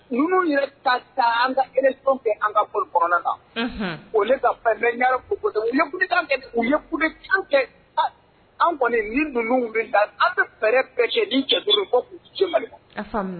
Ninnu yɛrɛ taa an kare kɛ an kaɔrɔn na o ka fɛn u kɛ an kɔni ni ninnu bɛ taa an bɛ fɛɛrɛ bɛɛ cɛ ni cɛu cɛ